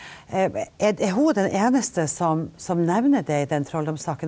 er er hun den eneste som som nevner det i den trolldomssaken?